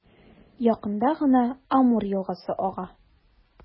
Якында гына Амур елгасы ага.